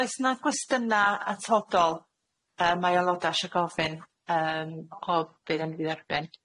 Oes 'na gwestyna atodol yy mae o eiloda isho gofyn yym o be' 'da ni 'di dderbyn?